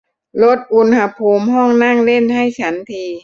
ลดอุณหภูมิห้องนั่งเล่นให้ฉันที